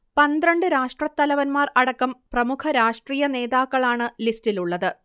പന്ത്രണ്ട് രാഷ്ട്രത്തലവന്മാർ അടക്കം പ്രമുഖ രാഷ്ട്രീയ നേതാക്കളാണ് ലിസ്റ്റിലുള്ളത്